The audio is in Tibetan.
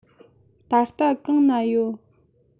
ད ལྟ གང ན ཡོད